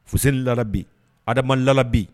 Fu labi ha adama labi